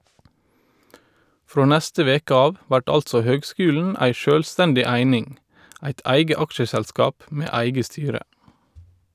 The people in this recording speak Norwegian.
Frå neste veke av vert altså høgskulen ei sjølvstendig eining , eit eige aksjeselskap med eige styre.